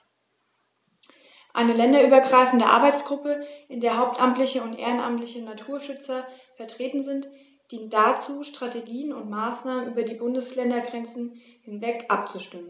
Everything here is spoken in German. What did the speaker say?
Eine länderübergreifende Arbeitsgruppe, in der hauptamtliche und ehrenamtliche Naturschützer vertreten sind, dient dazu, Strategien und Maßnahmen über die Bundesländergrenzen hinweg abzustimmen.